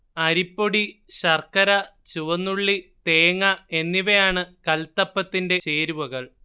അരിപ്പൊടി ശർക്കര ചുവന്നുള്ളി തേങ്ങ എന്നിവയാണ് കല്‍ത്തപ്പത്തിന്റെ ചേരുവകൾ